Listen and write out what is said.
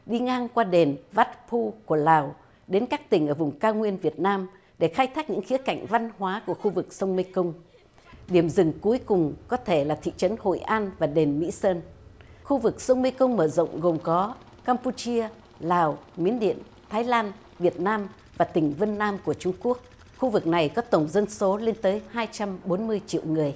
đi ngang qua đền vắt phu của lào đến các tỉnh ở vùng cao nguyên việt nam để khai thác những khía cạnh văn hóa của khu vực sông mê công điểm dừng cuối cùng có thể là thị trấn hội an và đền mỹ sơn khu vực sông mê công mở rộng gồm có cam pu chia lào miến điện thái lan việt nam và tỉnh vân nam của trung quốc khu vực này có tổng dân số lên tới hai trăm bốn mươi triệu người